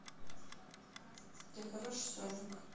ты хороший соник